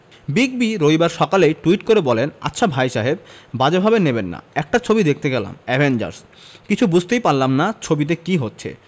big B রবিবার সকালেই tweet করে বলেন আচ্ছা ভাই সাহেব বাজে ভাবে নেবেন না একটা ছবি দেখতে গেলাম অ্যাভেঞ্জার্স কিছু বুঝতেই পারলাম না ছবিতে কী হচ্ছে